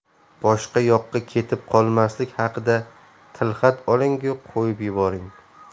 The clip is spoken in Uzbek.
boshqa yoqqa ketib qolmaslik haqida tilxat olingu qo'yib yuboring